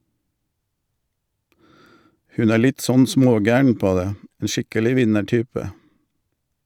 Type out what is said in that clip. Hun er litt sånn smågæren på det, en skikkelig vinnertype.